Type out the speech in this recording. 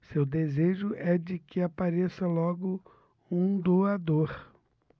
seu desejo é de que apareça logo um doador